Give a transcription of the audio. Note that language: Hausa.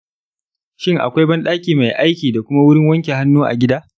shin akwai banɗaki mai aiki da kuma wurin wanke hannu a gida